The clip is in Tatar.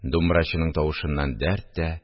Думбрачының тавышыннан дәрт тә